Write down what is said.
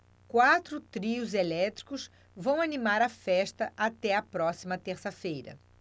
quatro trios elétricos vão animar a festa até a próxima terça-feira